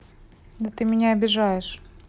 да ты меня обижаешь